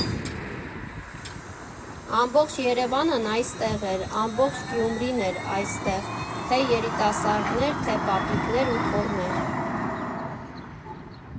Ամբողջ Երևանն այստեղ էր, ամբողջ Գյումրին էր այստեղ, թե՛ երիտասարդներ, թե՛ պապիկներ ու թոռներ։